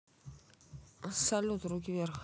салют руки вверх